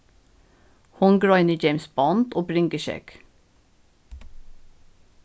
hon greinir james bond og bringuskegg